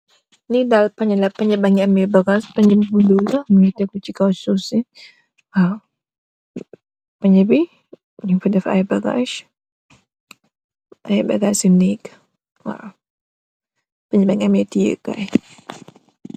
Lii daal pañe la, pañe baa ngi amee bagaas. Pañe bu ñuul la, mu ngi tégu si kow suuf si, waaw. Pañe bi, ñung fa def ay bagaas, ay bagaas i neek, waaw. Pañe baa ngi am tiye kaay.